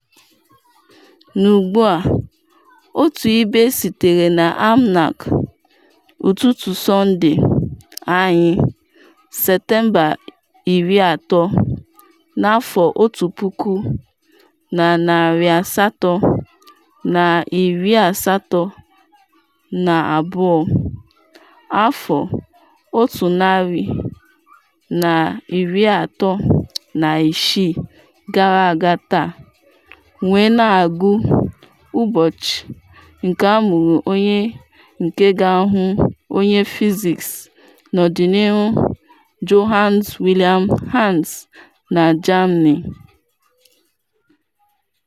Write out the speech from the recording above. N’Ugbu a otu ibe sitere na Almanak “Ụtụtụ Sọnde” anyị: Septemba 30, 1882, afọ136 gara aga taa, wee Na-agụ ... ụbọchị nke amụrụ onye nke ga-abụ onye fiziks n’ọdịnihu Johannes Wilhem “Hans” na Germany.